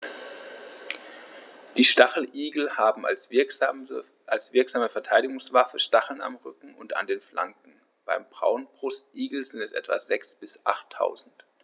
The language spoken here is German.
Die Stacheligel haben als wirksame Verteidigungswaffe Stacheln am Rücken und an den Flanken (beim Braunbrustigel sind es etwa sechs- bis achttausend).